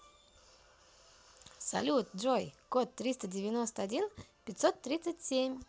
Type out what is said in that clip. салют джой код триста девяносто один пятьсот тридцать семь